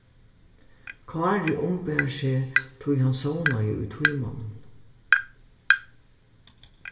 kári umbar seg tí hann sovnaði í tímanum